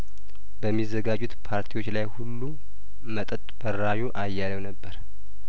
በሚዘጋጁት ፓርቲዎች ላይ ሁሉ መጠጥ በራዡ አያሌው ነበር